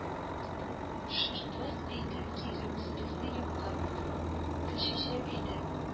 Шырбыз, әйдә кире үзебезнең якка, гөлчәчәк, әйдә